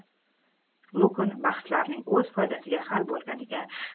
lukn bahslarning o'z foydasiga hal bo'lganiga